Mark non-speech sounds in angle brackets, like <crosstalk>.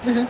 <hesitation> <hesitation>